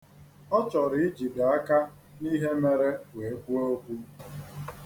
Ọ chọrọ ijido aka n'ihe mere wee kwuo okwu.